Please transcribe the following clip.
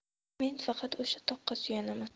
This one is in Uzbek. men faqat o'sha toqqa suyanaman